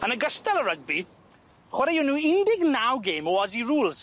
Yn ogystal â rygbi, chwaraeon nw un deg naw gêm o Aussie Rules.